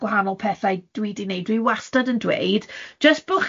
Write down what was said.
a gwahanol pethau dwi 'di 'neud, dwi wastad yn dweud, jyst bo'